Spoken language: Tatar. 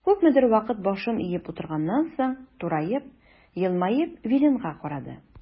Күпмедер вакыт башын иеп утырганнан соң, тураеп, елмаеп Виленга карады.